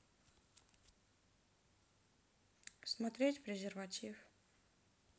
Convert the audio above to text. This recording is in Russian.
смотреть презерватив